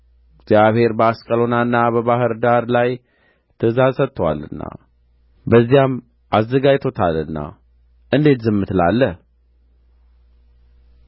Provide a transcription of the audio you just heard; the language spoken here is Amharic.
እግዚአብሔር በአስቀሎናና በባሕር ዳር ላይ ትእዛዝ ሰጥቶአልና በዚያም አዘጋጅቶታልና እንዴት ዝም ትላለህ